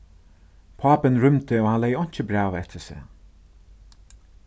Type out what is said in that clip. pápin rýmdi og hann legði einki bræv eftir seg